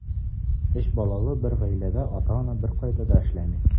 Өч балалы бер гаиләдә ата-ана беркайда да эшләми.